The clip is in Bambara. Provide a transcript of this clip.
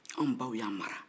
an baw y'an mara